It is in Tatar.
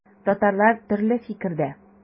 Татарлар төрле фикердә.